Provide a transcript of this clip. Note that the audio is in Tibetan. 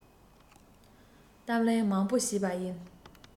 གཏམ གླེང མང པོ བྱས པ ཡིན